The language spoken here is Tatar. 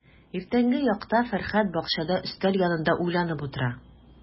Иртәнге якта Фәрхәт бакчада өстәл янында уйланып утыра.